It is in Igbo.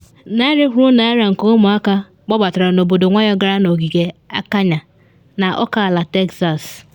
Narị Kwụrụ Narị nke Ụmụaka Gbabatara N’obodo Nwayọ Gara na Ogige Akanya na Oke Ala Texas